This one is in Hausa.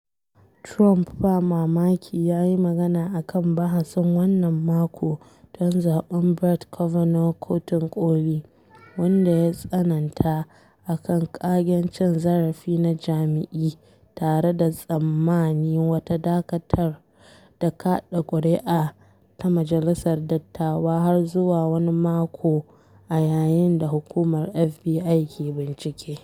Trump ba mamaki ya yi magana a kan bahasin wannan mako don zaɓan Brett Kavanaugh Kotun Koli, wanda ya tsananta a kan kagen cin zarafi na jima’i tare da tsammani wata dakatar da kaɗa kuri’a ta Majalisar Dattawa har zuwa wani mako a yayin da hukumar FBI ke bincike.